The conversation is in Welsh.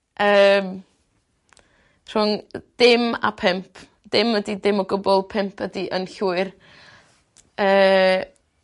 Yym. rhwng yy dim a pump dim ydi dim o gwbwl pump ydi yn llwyr yy